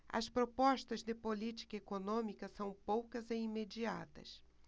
as propostas de política econômica são poucas e imediatas